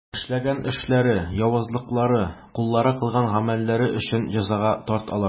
Эшләгән эшләре, явызлыклары, куллары кылган гамәлләре өчен җәзага тарт аларны.